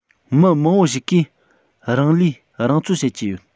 མི མང པོ ཞིག གིས རང ལས རང འཚོལ བྱེད ཀྱི ཡོད